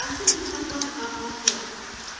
asl muhabbat g'avg'osiz